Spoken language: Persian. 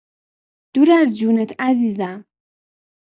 دور از جونت عزیزم!